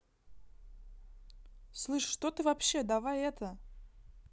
слышь что ты вообще давай это